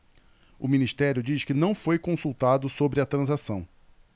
o ministério diz que não foi consultado sobre a transação